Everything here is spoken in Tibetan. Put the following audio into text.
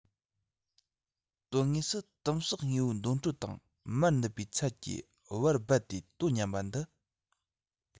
དོན དངོས སུ དིམ བསགས དངོས པོའི འདོན སྤྲོད དང མར ནུབ པའི ཚད ཀྱི བར རྦད དེ དོ མཉམ པ འདི